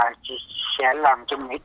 sẽ làm cho mỹ